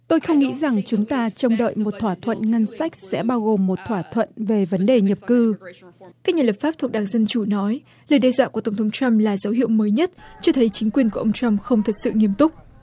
tôi không nghĩ rằng chúng ta trông đợi một thỏa thuận ngân sách sẽ bao gồm một thỏa thuận về vấn đề nhập cư các nhà lập pháp thuộc đảng dân chủ nói lời đe dọa của tổng thống trăm là dấu hiệu mới nhất cho thấy chính quyền của ông trăm không thực sự nghiêm túc